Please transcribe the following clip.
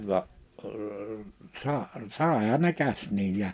-- saihan ne känsiäkin